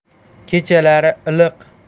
kechalari iliq